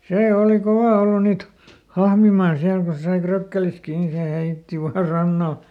se oli kova ollut niitä hahmimaan siellä kun se sai frökkelistä kiinni niin se heitti vain rannalle